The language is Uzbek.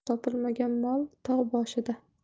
topilmagan mol tog' boshida